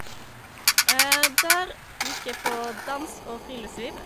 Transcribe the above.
Der gikk jeg på dans og friluftsliv.